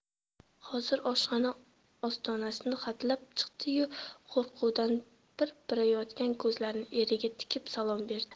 hozir oshxona ostonasini hatlab chiqdiyu qo'rquvdan pirpirayotgan ko'zlarini eriga tikib salom berdi